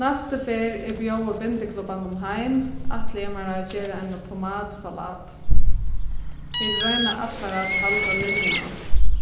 næstu ferð eg bjóði bindiklubbanum heim ætli eg mær at gera eina tomatsalat vit royna allar at halda linjuna